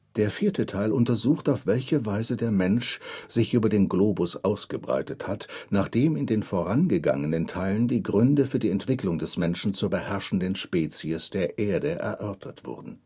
Der vierte Teil untersucht, auf welche Weise der Mensch sich über den Globus ausgebreitet hat, nachdem in den vorangegangenen Teilen die Gründe für die Entwicklung des Menschen zur beherrschenden Spezies der Erde erörtert wurden